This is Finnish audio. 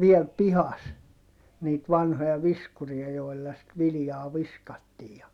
vielä pihassa niitä vanhoja viskuria joilla sitten viljaa viskattiin ja